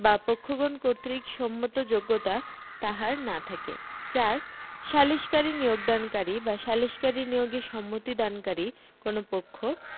বা পক্ষগণ কর্তৃক সম্মত যোগ্যতা তাহার না থাকে ৪ সালিসকারী নিয়োগদানকারী বা সালিসকারী নিয়োগে সম্মতিদানকারী কোন পক্ষ